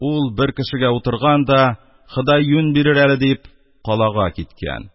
Ул бер кешегә утырган да, ходай юнь бирер әле дип, калага киткән.